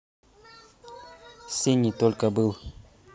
синий только был